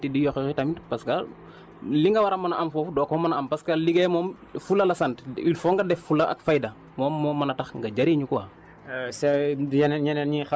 parce que liggéey boo si nekkee naan lii dafa métti di yox yoxi tam parce que li nga war a mën a am foofu doo ko mën a am parce que liggéey moom fulla la sant il faut nga def fulla ak fayda moom moo mën a tax nga jëriñu quoi